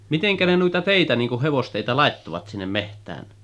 miten ne noita teitä niin kuin hevostietä laittoivat sinne metsään